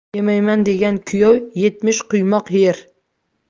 yemayman degan kuyov yetmish quymoq yer